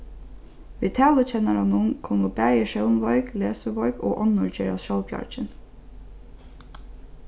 við talukennaranum kunnu bæði sjónveik lesiveik og onnur gerast sjálvbjargin